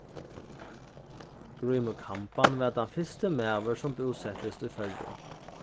grímur kamban var tann fyrsti maður sum búsettist í føroyum